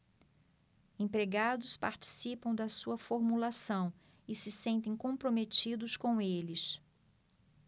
empregados participam da sua formulação e se sentem comprometidos com eles